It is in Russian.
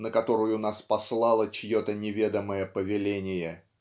на которую нас послало чье-то неведомое повеление.